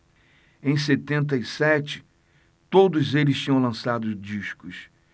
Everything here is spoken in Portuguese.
em setenta e sete todos eles tinham lançado discos